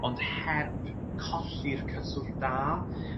ond heb colli'r cyswllt da